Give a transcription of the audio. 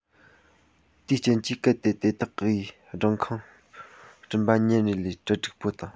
དེའི རྐྱེན གྱིས གལ ཏེ དེ དག གིས སྦྲང ཁང སྐྲུན པ ཉིན རེ ལས གྲལ འགྲིག པོ དང